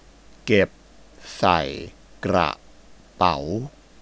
เก็บใส่กระเป๋า